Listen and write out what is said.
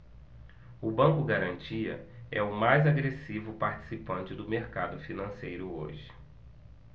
o banco garantia é o mais agressivo participante do mercado financeiro hoje